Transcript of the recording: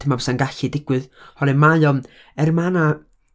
dyma bysa'n gallu digwydd. Oherwydd mae o'n, er ma' 'na...